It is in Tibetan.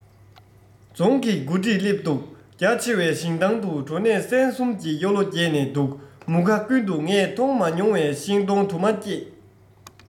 རྫོང གི མགོ ཁྲིད སླེབས འདུག རྒྱ ཆེ བའི ཞིང ཐང དུ གྲོ ནས སྲན གསུམ གྱི གཡུ ལོ རྒྱས ནས འདུག མུ ཁ ཀུན ཏུ ངས མཐོང མ མྱོང བའི ཤིང སྡོང དུ མ སྐྱེས